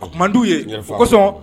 O tuma' ye fo kosɔn